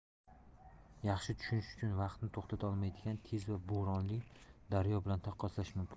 yaxshi tushunish uchun vaqtni to'xtata olmaydigan tez va bo'ronli daryo bilan taqqoslash mumkin